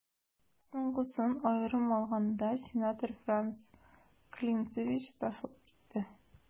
Соңгысын, аерым алганда, сенатор Франц Клинцевич ташлап китте.